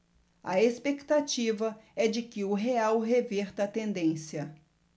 a expectativa é de que o real reverta a tendência